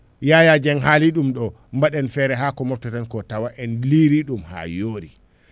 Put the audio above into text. Yaya Dieng haaliɗum ɗo mbaɗen feere ha ko mofteten ko tawa en liiri ɗum ha yoori